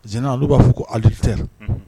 Jɛnɛya, olu b'a fɔ a man ko -- adiutère